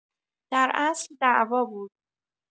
در اصل دعوا بود